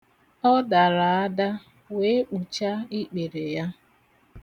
Ọ dara ada, wee kpucha ikpere ya.